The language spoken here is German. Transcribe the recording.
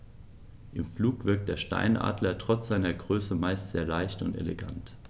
Im Flug wirkt der Steinadler trotz seiner Größe meist sehr leicht und elegant.